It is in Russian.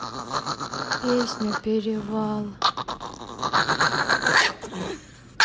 песня перевал